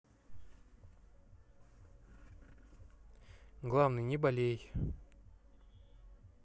главный не болей